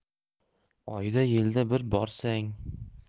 oyda yilda bir borsang